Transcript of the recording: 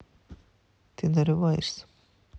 ты нарываешься